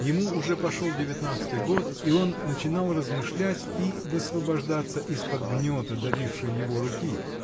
ему уже пошел девятнадцатый год, и он начинал размышлять и высвобождаться из-под гнета давившей его руки.